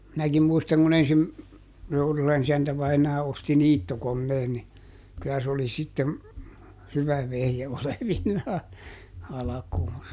minäkin muistan kun - Tourulan isäntä vainaa osti niittokoneen niin kyllä se oli sitten hyvä vehje olevinaan alkuunsa